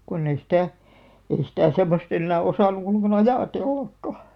kun ei sitä ei sitä semmoista enää osannut ollenkaan ajatellakaan